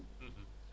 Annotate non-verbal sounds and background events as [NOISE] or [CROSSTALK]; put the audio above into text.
[HESITATION] [HESITATION]